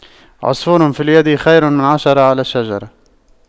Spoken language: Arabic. عصفور في اليد خير من عشرة على الشجرة